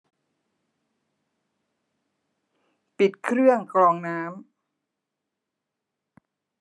ปิดเครื่องกรองน้ำ